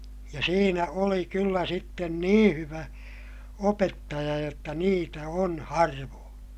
ja siinä oli kyllä sitten niin hyvä opettaja jotta niitä on harvoin